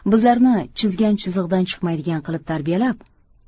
bizlarni chizgan chizig'idan chiqmaydigan qilib tarbiyalab